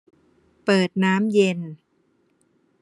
เปิดน้ำเย็น